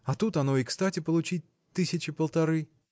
а тут оно и кстати получить тысячи полторы.